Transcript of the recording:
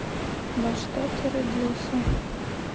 во что ты родился